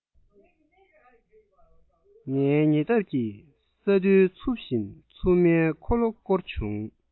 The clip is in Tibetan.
ངའི ཉེ འཁོར གྱི ས རྡུལ གཙུབ བཞིན འཚུབ མའི འཁོར ལོ བསྐོར བྱུང